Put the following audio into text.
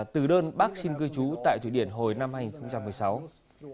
từ đơn bác xin cư trú tại thụy điển hồi năm hai nghìn không trăm mười sáu